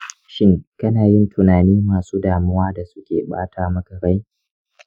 shin kana yin tunani masu damuwa da suke bata maka rai?